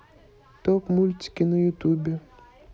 топ мультики на ютубе